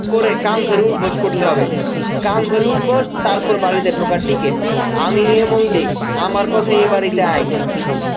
করে কান ধরে উঠবােস করতে হবে কান ধরে উঠবােস তারপর বাড়িতে ঢােকার টিকিট আমি এ মল্লিক আমার কথাই এ বাড়িতে আইন